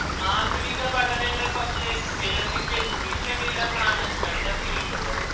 ആധുനിക പഠനങ്ങൾ പക്ഷേ ചിലന്തിക്ക് വിഷമില്ലെന്നാണ് കണ്ടെത്തിയിട്ടുള്ളത്